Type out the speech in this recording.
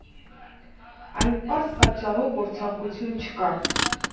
Այն պարզ պատճառով, որ ցանկություն չկա։